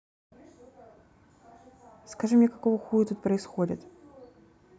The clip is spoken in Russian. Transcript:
скажи мне какого хуя тут происходит